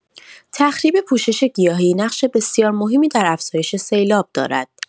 تخریب پوشش گیاهی نقش بسیار مهمی در افزایش سیلاب دارد.